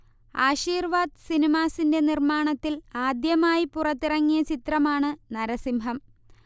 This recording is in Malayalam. ആശീർവാദ് സിനിമാസിന്റെ നിർമ്മാണത്തിൽ ആദ്യമായി പുറത്തിറങ്ങിയ ചിത്രമാണ് നരസിംഹം